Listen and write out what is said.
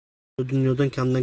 bugungi kunda dunyoda kamdan